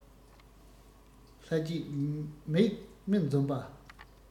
ལྷ ཅིག མིག མི འཛུམ པ